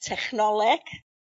Technoleg.